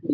diraacyo